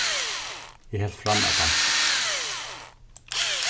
eg helt fram at dansa